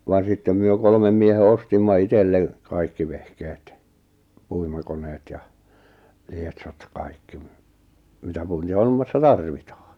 vaan sitten me kolmen miehen ostimme itselle kaikki vehkeet puimakoneet ja lietsot ja kaikki - mitä puintihommassa tarvitaan